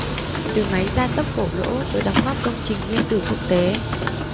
từ máy gia tốc cổ lỗ tới đóng góp công trình nguyên tử quốc tế